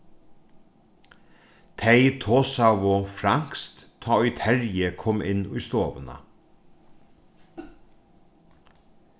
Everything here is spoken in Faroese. tey tosaðu franskt tá ið terji kom inn í stovuna